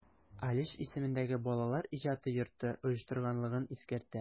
Алиш исемендәге Балалар иҗаты йорты оештырганлыгын искәртә.